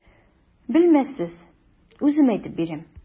Белмәссез, үзем әйтеп бирәм.